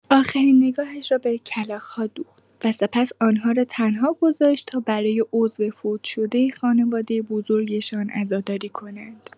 آخرین نگاهش را به کلاغ‌ها دوخت و سپس آن‌ها را تنها گذاشت تا برای عضو فوت‌شده خانواده بزرگشان عزاداری کنند.